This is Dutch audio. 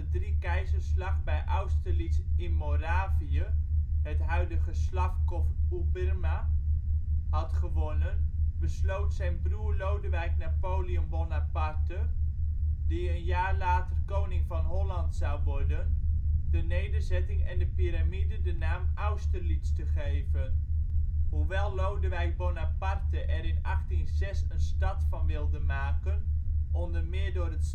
Driekeizersslag bij Austerlitz in Moravië, (het huidige Slavkov u Brna) had gewonnen, besloot zijn broer Lodewijk Napoleon Bonaparte, (die een jaar later Koning van Holland zou worden), de nederzetting en de piramide de naam Austerlitz te geven. Hoewel Lodewijk Bonaparte er in 1806 een stad van wilde maken onder meer door het